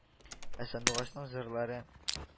Ә сандугачның җырлары